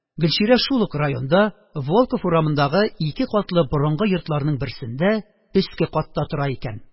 Гөлчирә шул ук районда, Волков урамындагы ике катлы борынгы йортларның берсендә, өске катта тора икән.